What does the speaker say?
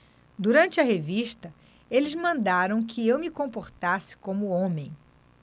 durante a revista eles mandaram que eu me comportasse como homem